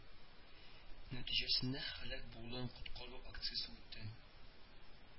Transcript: Нәтиҗәсендә һәлак булудан коткару акциясе үтте